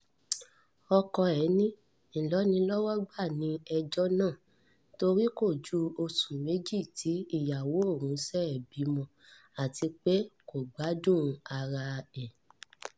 Ọkọ ẹ̀ ni “ìlọ́nilọ́wọ́gbà” ni ẹjọ́ náà torí kò ju oṣù méjì tí ìyàwó òun ṣẹ̀ bímọ. Àtipé “kò gbádùn ara ẹ̀.”